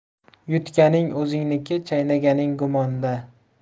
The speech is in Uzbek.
yutganing o'zingniki chaynaganing gumonda